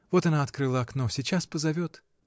Вон она открыла окно, сейчас позовет.